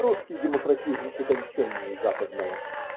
Русский демократизм утонченней западного.